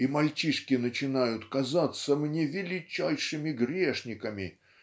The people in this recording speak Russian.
и мальчишки начинают казаться мне величайшими грешниками.